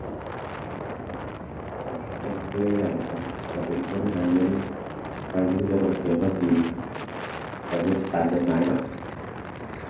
ก็ต้องเคยอยู่แล้วล่ะครับ ก็เป็นคนหาเงิน หาเงินก็ต้องเสียภาษี ก็เฮ็ดตามกฎหมายเนาะ